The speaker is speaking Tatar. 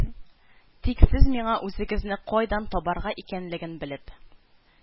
Тик сез миңа үзегезне кайдан табарга икәнлеген белеп